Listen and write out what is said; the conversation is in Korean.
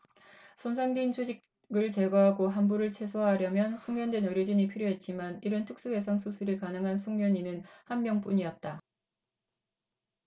손상된 조직을 제거하고 환부를 최소화하려면 숙련된 의료진이 필요했지만 이런 특수외상 수술이 가능한 숙련의는 한 명뿐이었다